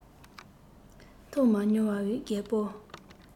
མཐོང མ མྱོང བའི རྒད པོ